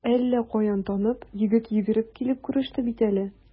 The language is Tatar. Әллә каян танып, егет йөгереп килеп күреште бит әле.